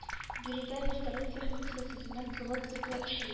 Биредә вертолет техникасы төзүнең тулы циклы эшли